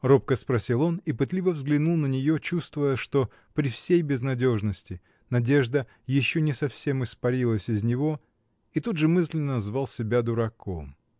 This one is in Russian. — робко спросил он и пытливо взглянул на нее, чувствуя, что, при всей безнадежности, надежда еще не совсем испарилась из него, и тут же мысленно назвал себя дураком.